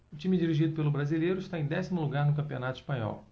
o time dirigido pelo brasileiro está em décimo lugar no campeonato espanhol